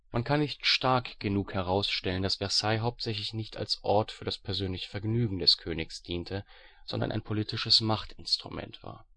Man kann nicht stark genug herausstellen, dass Versailles hauptsächlich nicht als Ort für das persönliche Vergnügen des Königs diente, sondern ein politisches Machtinstrument war